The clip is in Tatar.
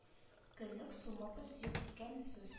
Көнлек сумыбыз юк дигән сүз